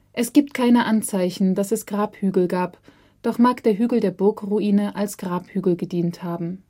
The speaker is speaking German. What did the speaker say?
Es gibt keine Anzeichen, dass es Grabhügel gab, doch mag der Hügel der Burgruine als Grabhügel gedient haben